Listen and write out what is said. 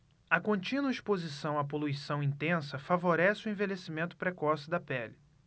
a contínua exposição à poluição intensa favorece o envelhecimento precoce da pele